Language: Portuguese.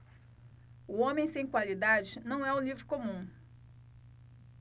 o homem sem qualidades não é um livro comum